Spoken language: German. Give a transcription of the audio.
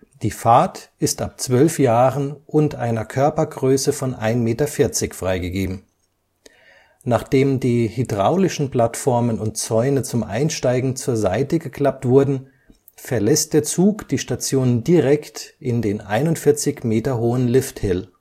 Die Fahrt ist ab zwölf Jahren und einer Körpergröße von 1,40 m freigegeben. Nachdem die hydraulischen Plattformen und Zäune zum Einsteigen zur Seite geklappt wurden, verlässt der Zug die Station direkt in den 41 Meter hohen Lifthill